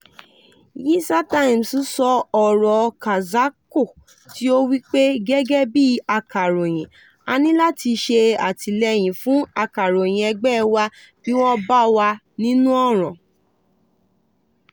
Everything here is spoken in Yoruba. Nyssatimes sọ ọ̀rọ̀ Kazako tí ó wí pé: "Gẹ́gẹ́ bíi akàròyìn, a ní láti ṣe àtìlẹ́yìn fún akàròyìn ẹgbẹ́ wa bí wọ́n bá wà nínú ọ̀ràn.